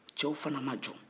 cɛw fana ma jɔ